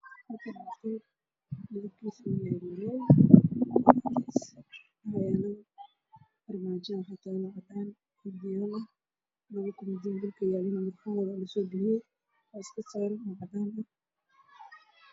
Waa qol waxaa yaalo armaajo midookeeda yahay cadaan waxaa ka ifaayo r buluug ah